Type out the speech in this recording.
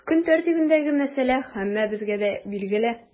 Көн тәртибендәге мәсьәлә һәммәбезгә дә билгеле.